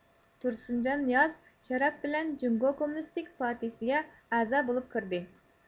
تۇرسۇنجان نىياز شەرەپ بىلەن جۇڭگو كوممۇنىستىك پارتىيىسىگە ئەزا بولۇپ كىردى